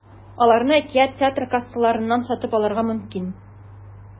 Аларны “Әкият” театры кассаларыннан сатып алырга мөмкин.